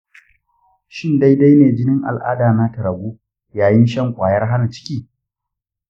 shin daidai ne jinin al'ada na ta ragu yayin shan kwayar hana ciki?